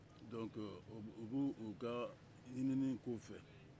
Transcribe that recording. donc u bɛ u ta ɲininni k'o fɛ